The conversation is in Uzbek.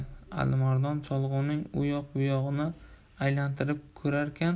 alimardon cholg'uning u yoq bu yog'ini aylantirib ko'rarkan